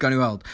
Gawn ni weld.